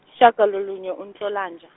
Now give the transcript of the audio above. yishagalolunye uNtlolanja.